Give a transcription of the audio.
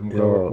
joo